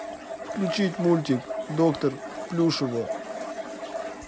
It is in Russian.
включить мультик доктор плюшева